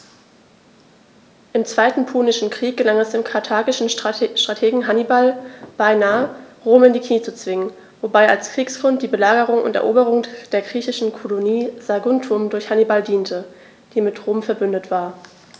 Im Zweiten Punischen Krieg gelang es dem karthagischen Strategen Hannibal beinahe, Rom in die Knie zu zwingen, wobei als Kriegsgrund die Belagerung und Eroberung der griechischen Kolonie Saguntum durch Hannibal diente, die mit Rom „verbündet“ war.